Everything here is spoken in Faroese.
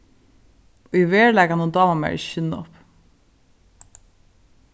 í veruleikanum dámar mær ikki sinnop